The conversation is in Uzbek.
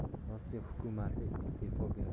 rossiya hukumati iste'fo berdi